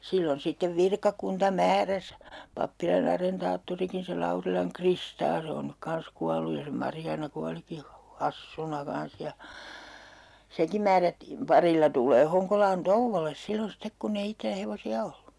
silloin sitten virkakunta määräsi pappilan arentaattorikin se Kristaa se on nyt kanssa kuollut ja se Marjaana kuolikin - hassuna kanssa ja senkin määrättiin parilla tulemaan Honkolaan touolle silloin sitten kun ei itsellä hevosia ollut